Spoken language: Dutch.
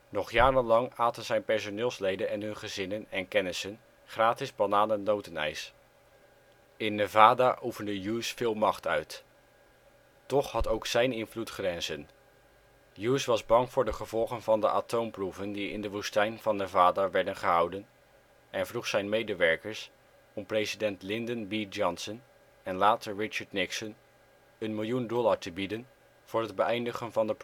Nog jarenlang aten zijn personeelsleden en hun gezinnen en kennissen gratis bananen-notenijs. In Nevada oefende Hughes veel macht uit. Toch had ook zijn invloed grenzen. Hughes was bang voor de gevolgen van de atoomproeven die in de woestijn van Nevada werden gehouden en vroeg zijn medewerkers om president Lyndon B. Johnson en later Richard Nixon een miljoen dollar te bieden voor het beëindigen van de proeven